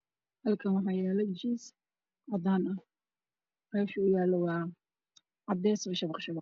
Halkan waxa yaalo jiis cadaan ah mesha uu yalane wa cadees cadees o shabaq shabaq